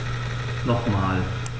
Nochmal.